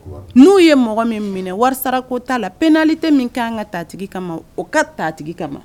N'u ye mɔgɔ min minɛ warisa ko t'a la pli tɛ min kɛ kan ka ta kama o ka tatigi kama